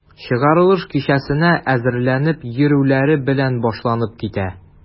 Чыгарылыш кичәсенә әзерләнеп йөрүләре белән башланып китә.